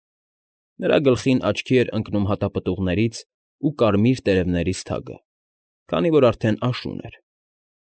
Նրա գլխին աչքի էր ընկնում հատապտուղներից ու կարմիր տերևներից թագը, քանի որ արդեն աշուն էր։